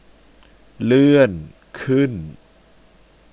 เลื่อนขึ้น